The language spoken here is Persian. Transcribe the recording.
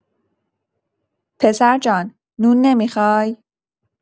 پسرجان، نون نمی‌خوای؟